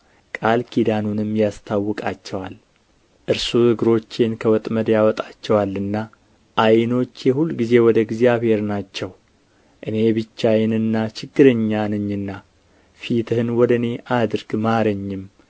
ቃል ኪዳኑንም ያስታውቃቸዋል እርሱ እግሮቼን ከወጥመድ ያወጣቸዋልና ዓይኖቼ ሁልጊዜ ወደ እግዚአብሔር ናቸው እኔ ብቻዬንና ችግረኛ ነኝና ፊትህን ወደ እኔ አድርግ ማረኝም